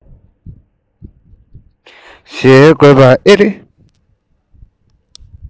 གཞལ དགོས པ ཨེ རེད